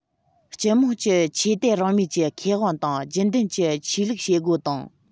སྤྱི དམངས ཀྱི ཆོས དད རང མོས ཀྱི ཁེ དབང དང རྒྱུན ལྡན གྱི ཆོས ལུགས བྱེད སྒོ དང